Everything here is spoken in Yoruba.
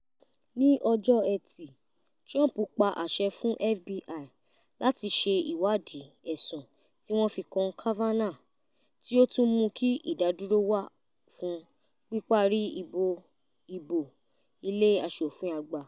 Ní ọjọ́ ẹtì, Trump pa àṣẹ fún FBI láti ṣe ìwádìí ẹ̀sùn tí wọ́n fi kan Kavanugh, tí ó tún mú kí ìdádúró wá fún píparí ìbò Ilé Aṣòfin àgbà.